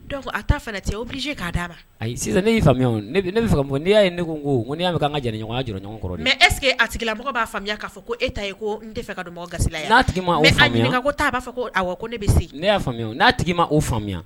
Dɔw a ta tɛ o bilisi k'a daaba sisan ne y'i faamuya ne mun n' y' ye ne ko ko ne y'a bɛ ka ɲɔgɔnya dɔrɔnɲɔgɔn kɔrɔ mɛ eseke a tigilamɔgɔ b'a faamuya k'a ko e ta ye n fɛ ka ga ɲininka ko taa a b'a fɔ ko ko ne bɛ ne y'a faamuya n'a tigi ma o faamuya